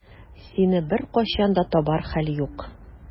Сине беркайчан да табар хәл юк.